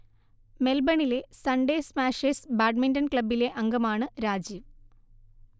മെൽബണിലെ Sunday Smashers badminton ക്ലബിലെ അംഗമാണ് രാജീവ്